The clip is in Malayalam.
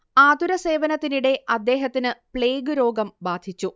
ആതുരസേവനത്തിനിടെ അദ്ദേഹത്തിന് പ്ലേഗ് രോഗം ബാധിച്ചു